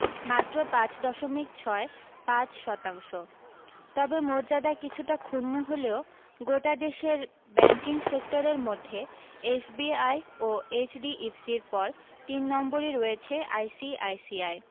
মাত্র পাঁচ দশমিক ছয় পাঁচ শতাংশ তবে মর্যাদা কিছুটা ক্ষুণ্ণ হলেও গোটা দেশের ব্যাঙ্কিং সেক্টরের মধ্যে এসবিআই ও এইচডিইফসির পর তিন নম্বরই রয়েছে আইসিআইসিআই